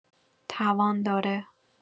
توان داره